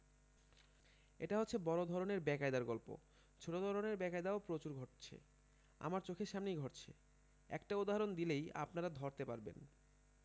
এটা হচ্ছে বড় ধরনের বেকায়দার গল্প ছোট ধরনের বেকায়দাও প্রচুর ঘটছে আমাদের চোখের সামনেই ঘটছে একটা উদাহরণ দিসেই আপনারা ধরতে পারবেন